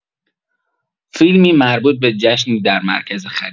فیلمی مربوط به جشنی در مرکز خرید